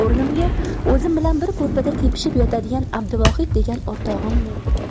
o'rnimga o'zim bilan bir ko'rpada tepishib yotadigan abduvohid degan o'rtog'immi